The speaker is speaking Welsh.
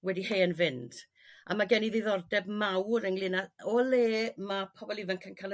wedi hen fynd a ma' gen i ddiddordeb mawr ynglŷn a o le ma' pobl ifanc yn ca'l